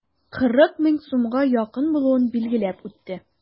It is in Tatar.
40 мең сумга якын булуын билгеләп үтте.